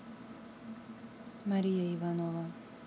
марина иванова